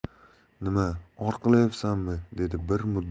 nima or qilyapsanmi dedi